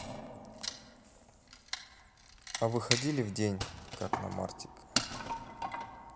а выходили в день как на мартика